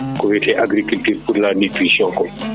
ko wiyete agriculture pour la nutrition ko